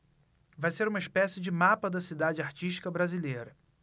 vai ser uma espécie de mapa da cidade artística brasileira